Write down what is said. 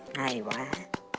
hay quá